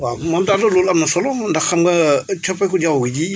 waa Mame Dado loolu am na solo ndax xam nga coppeeku jaww ji